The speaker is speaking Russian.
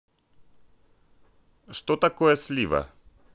что такое слива